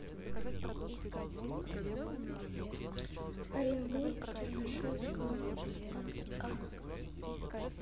оренбург чернышевского шестнадцать а